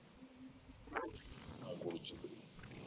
огурчик рик